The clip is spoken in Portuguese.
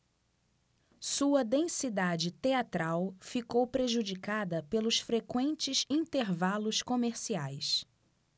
sua densidade teatral ficou prejudicada pelos frequentes intervalos comerciais